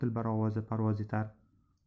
dilbar ovozi parvoz etar